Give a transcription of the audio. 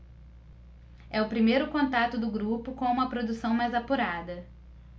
é o primeiro contato do grupo com uma produção mais apurada